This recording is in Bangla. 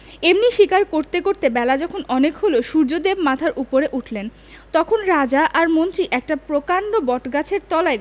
এমনি শিকার করতে করতে বেলা যখন অনেক হল সূর্যদেব মাথার উপর উঠলেন তখন রাজা আর মন্ত্রী একটা প্রকাণ্ড বটগাছের তলায়